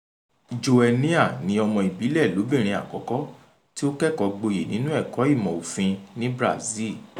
Joenia ni ọmọ ìbílẹ̀ lóbìnrin àkọ́kọ́ tí ó kẹ́kọ̀ọ́ gboyè nínú ẹ̀kọ́ ìmọ̀ òfin ní Brazil.